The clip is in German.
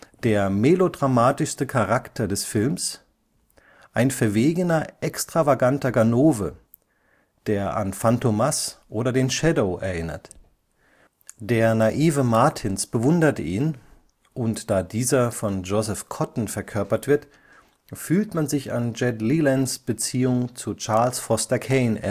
der melodramatischste Charakter des Films – ein verwegener, extravaganter Ganove, der an Fantômas oder den Shadow erinnert. Der naive Martins bewundert ihn, und da dieser von Joseph Cotten verkörpert wird, fühlt man sich an Jed Lelands Beziehung zu Charles Foster Kane erinnert